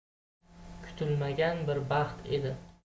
kutilmagan bir baxt edi